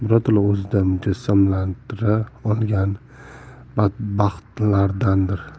birato'la o'zida mujassamlantira olgan badbaxtlardandir